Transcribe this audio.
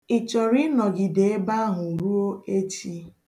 Ị chọrọ ịnọgide ebe ahụ ruo echi?